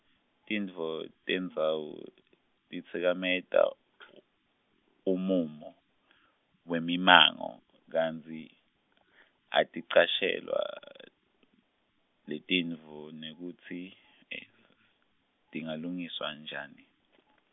tintfo tendzawo, titsikameta u-, umumo, wemimango, kantsi, aticashelwa, letintfo, nekutsi tingalungiswa njani.